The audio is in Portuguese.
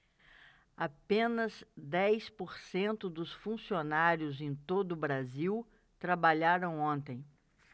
apenas dez por cento dos funcionários em todo brasil trabalharam ontem